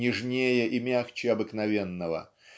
нежнее и мягче обыкновенного